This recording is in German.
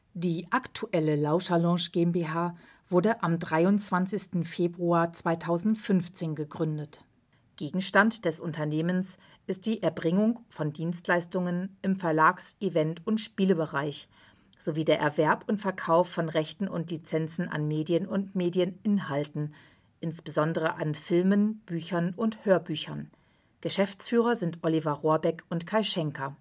Die aktuelle Lauscherlounge GmbH wurde am 23. Februar 2015 gegründet. Gegenstand des Unternehmens ist die Erbringung von Dienstleistungen im Verlags -, Event - und Spielebereich, sowie der Erwerb und Verkauf von Rechten und Lizenzen an Medien und Medieninhalten, insbesondere an Filmen, Büchern und Hörbüchern (Geschäftsführer: Oliver Rohrbeck und Kai Schenker